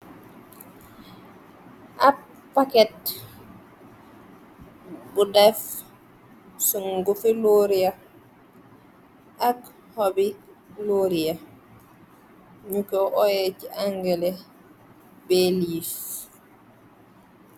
ab paket bu def su ngufi loria ak xoby loria ñu ko oyé ci angale beliis